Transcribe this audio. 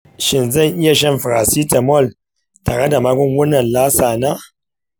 shin zan iya shan paracetamol tare da magungunan lassa na?